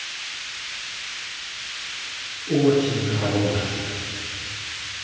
очень хороший